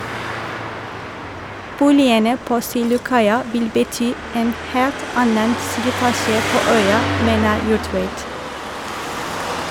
Boligene på Silokaia vil bety en helt annen slitasje på øya, mener Jortveit.